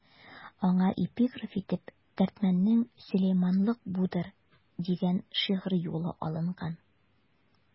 Аңа эпиграф итеп Дәрдмәнднең «Сөләйманлык будыр» дигән шигъри юлы алынган.